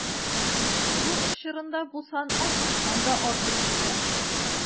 Кызу эш чорында бу сан 60 тан да артып китә.